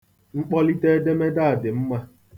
Mkpọlite edemede a dị mma.